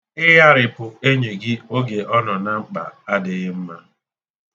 Ịgharịpụ enyi gị oge ọ na mkpa adịghị mma.